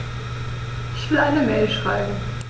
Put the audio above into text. Ich will eine Mail schreiben.